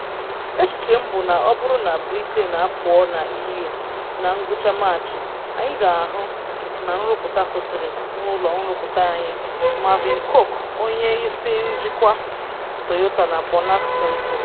“Echiche m bụ na ọ bụrụ na Britain apụọ na EU na ngwucha Maachị, anyị ga-ahụ na nrụpụta kwụsịrị n’ụlọ nrụpụta anyị” Marvin Cooke onye isi njikwa Toyota na Burnaston kwuru.